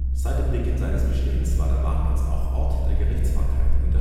Seit dem Beginn seines Bestehens war der Markplatz auch Ort der Gerichtsbarkeit und